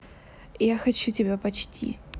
я хочу тебя почти